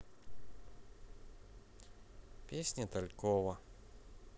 песни талькова